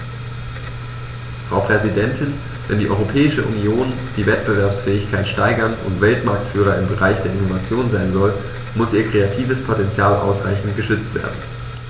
Frau Präsidentin, wenn die Europäische Union die Wettbewerbsfähigkeit steigern und Weltmarktführer im Bereich der Innovation sein soll, muss ihr kreatives Potential ausreichend geschützt werden.